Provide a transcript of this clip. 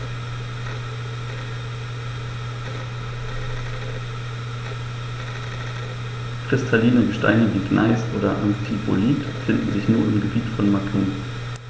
Kristalline Gesteine wie Gneis oder Amphibolit finden sich nur im Gebiet von Macun.